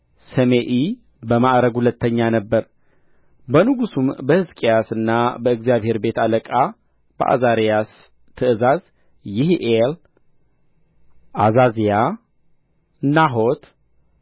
ሰሜኢ በማዕርግ ሁለተኛ ነበረ በንጉሡም በሕዝቅያስና በእግዚአብሔር ቤት አለቃ በዓዛርያስ ትእዛዝ ይሒዒል ዓዛዝያ ናሖት